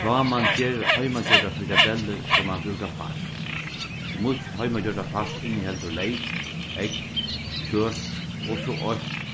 tá mann ger heimagjørdar frikadellur skal mann brúka fars mítt heimagjørda fars inniheldur leyk egg kjøt og so eitt